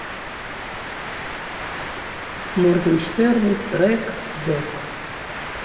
моргенштерн трек лег